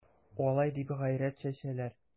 Алай дип гайрәт чәчәләр...